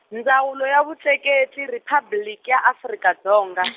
Ndzawulo ya Vutleketli Riphabliki ya Afrika Dzonga.